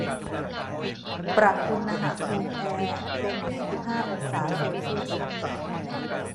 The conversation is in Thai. ปรับอุณหภูมิแอร์เป็นยี่สิบห้าองศาเซลเซียส